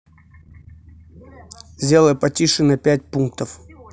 сделай потише на пять пунктов